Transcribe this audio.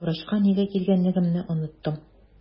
Врачка нигә килгәнлегемне оныттым.